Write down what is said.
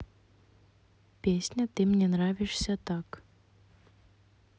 песня ты мне нравишься так